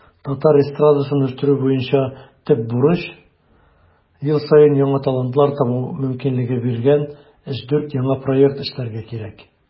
Татар эстрадасын үстерү буенча төп бурыч - ел саен яңа талантлар табу мөмкинлеге биргән 3-4 яңа проект эшләргә кирәк.